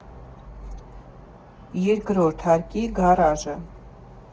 Երկրորդ հարկի Գարաժը։